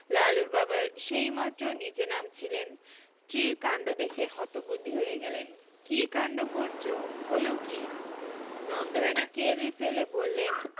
লালুর বাবা সেইমাত্র নীচে নামছিলেন স্ত্রীর কাণ্ড দেখে হতবুদ্ধি হয়ে গেলেন কি কাণ্ড করচ হলো কি নন্দরানী কেঁদে ফেলে বললেন